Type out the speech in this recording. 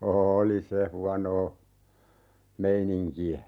oli se huonoa meininkiä